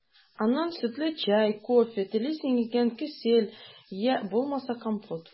Аннан сөтле чәй, кофе, телисең икән – кесәл, йә булмаса компот.